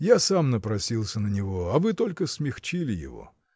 Я сам напросился на него, а вы только смягчили его.